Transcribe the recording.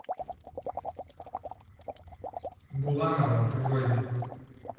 буланова чужой